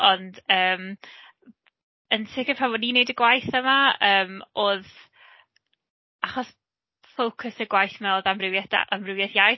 Ond yym yn sicr pan o'n i'n nweud y gwaith yma yym oedd, achos ffocws y gwaith yma oedd amrywiaeth da- amrywiaeth iaith.